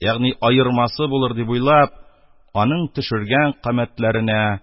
Ягни аермасы булыр дип уйлап аның төшергән камәтләренә